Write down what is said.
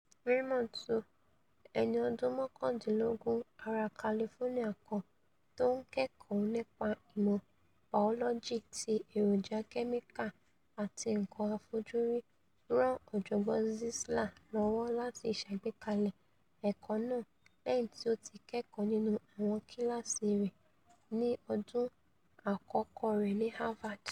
Raymond So, ẹni ọdún mọ́kàndínlógún ara California kan tó ńkẹ̀kọ̀ọ́ nípa ìmọ̀ bàọ́lọ́jì tí èròjà kẹ́míkà àti nǹkan àfojúri, ràn Ọ̀jọ̀gbọ́n Czeisler lọ́wọ́ láti ṣàgbékalẹ̀ ẹ̀kọ́ náà lẹ́yìn tí o ti kẹ́kọ̀ọ́ nínú àwọn kíláàsì rẹ̀ ni ọdún àkọ́kọ́ rẹ̀ ní Havard.